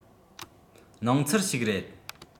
སྣང ཚུལ ཞིག རེད